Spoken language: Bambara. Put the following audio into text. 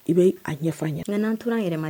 I bɛ a ɲɛ ɲɛ fo anw ɲɛna n'ga n'anw tora anw yɛrɛ ma